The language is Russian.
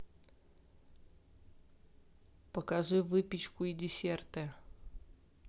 покажи выпечку и десерты